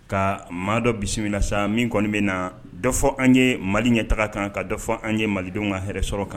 Ka maa dɔ bisimila na sa min kɔni bɛ na dɔ fɔ an ye mali ɲɛ taga kan ka dɔ fɔ an ye malidenw ka hɛrɛ sɔrɔ kan